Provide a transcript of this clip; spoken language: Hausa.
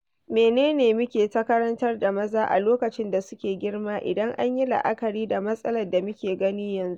Mene ne muke ta karantar da maza a lokacin da suke girma, idan an yi la’akari da matsalar da muke gani yanzu?'